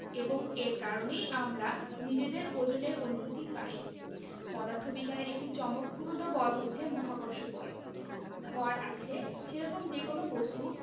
এবং এর কারণেই আমরা নিজেদের ওজনের অনুভূতি পাই পদার্থবিজ্ঞানের একটি চমকপ্রদ বল হচ্ছে মহাকর্ষ বল ভর আছে সেরকম যেকোনো বস্তু